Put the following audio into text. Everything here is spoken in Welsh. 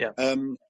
Ia. Yym